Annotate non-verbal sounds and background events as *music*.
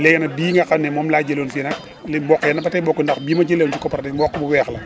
léegi nag bii nga xam ne moom laa jëloon fii nag *noise* li mboq ya ba tey bokkuñ ndax bii ma jëloon ci coopérative bi mboq bu weex la